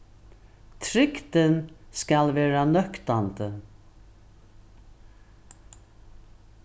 trygdin skal vera nøktandi